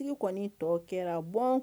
Sigi kɔni tɔ kɛra